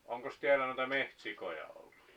onkos täällä noita metsäsikoja ollut